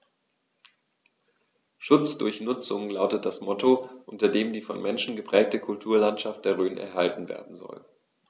„Schutz durch Nutzung“ lautet das Motto, unter dem die vom Menschen geprägte Kulturlandschaft der Rhön erhalten werden soll.